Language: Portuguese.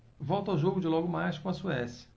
volto ao jogo de logo mais com a suécia